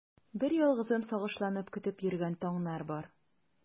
Берьялгызым сагышланып көтеп йөргән таңнар бар.